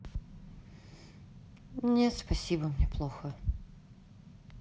нет спасибо мне плохо